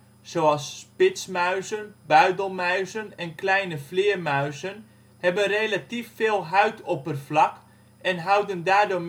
zoals spitsmuizen, buidelmuizen en kleine vleermuizen, hebben relatief veel huidoppervlak en houden daardoor